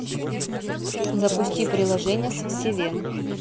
запусти приложение с севен